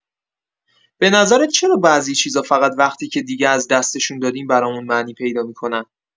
به نظرت چرا بعضی چیزا فقط وقتی که دیگه از دستشون دادیم برامون معنی پیدا می‌کنن؟